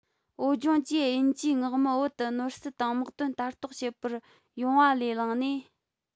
བོད ལྗོངས ཀྱིས དབྱིན ཇིའི མངགས མི བོད དུ ནོར སྲིད དང དམག དོན ལ ལྟ རྟོག བྱེད པར ཡོང བ ལས བླངས ནས